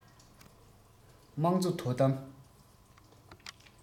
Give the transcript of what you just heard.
དམངས གཙོ དོ དམ